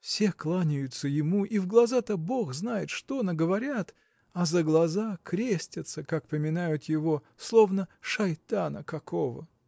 Все кланяются ему и в глаза-то бог знает что наговорят а за глаза крестятся как поминают его словно шайтана какого.